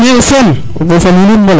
Njene Sene